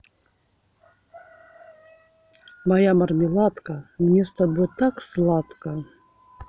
моя мармеладка мне с тобой так сладко